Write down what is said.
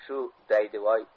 shu daydivoy